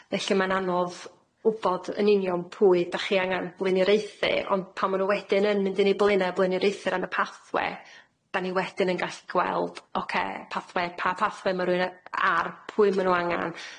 Felly ma'n anodd wbod yn union pwy dach chi angan blaenorieuthu ond pan ma' n'w wedyn yn mynd yn i blaene a blaenorieuthu o ran y pathwe, dan ni wedyn yn gallu gweld ocê pathwe pa pathwe ma' rywun y- ar pwy ma' n'w angan.